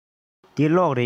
འདི གློག རེད